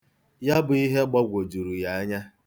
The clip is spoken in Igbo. Ya bụ ihe gbagwojuru ya anya.